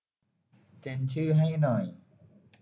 เจนชื่อให้หน่อย